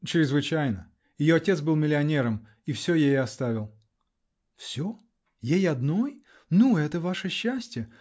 -- Чрезвычайно!ее отец был миллионером -- и все ей оставил. -- Все -- ей одной? Ну, это ваше счастье.